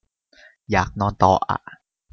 อยากนอนต่ออะ